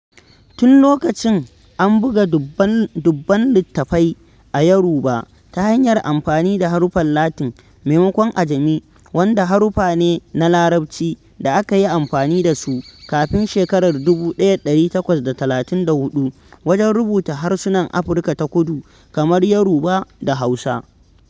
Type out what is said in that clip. Tun lokacin an buga dubunnan litattafai a Yoruba ta hanyar amfani da haruffan Latin, maimakon ajami wanda haruffa ne na Larabci da aka yi amfani da su kafin shekarar 1834 wajen rubuta harsunan Afirka ta kudu kamar Yoruba da Hausa.